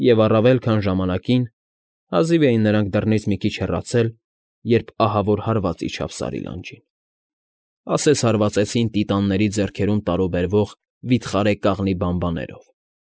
Եվ առավել քան ժամանակին… Հազիվ էին նրանք դռնից մի քիչ հեռացել, երբ ահավոր հարված իջավ Սարի լանջին, ասես հարվածեցին տիտանների ձեռքերում տարուբերվող վիթխարի կաղնե բաբաններով։